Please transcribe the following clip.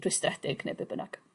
rhwystredig ne' be' bynnag.